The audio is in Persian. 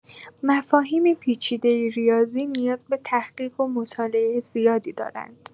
مفاهیم پیچیده ریاضی نیاز به تحقیق و مطالعه زیادی دارند.